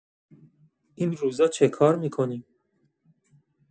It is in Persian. این روزا چه‌کار می‌کنی؟